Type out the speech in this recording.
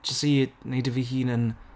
jyst i, wneud i fy hun yn,